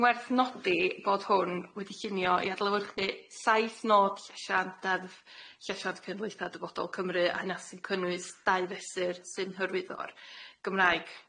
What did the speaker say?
Ma'n werth nodi fod hwn wedi llunio i adlewyrchu saith nod llesiant af llesiant cymdeitha dyfodol Cymru a hynna sy'n cynnwys dau fesur synhyrwyddor Gymraeg.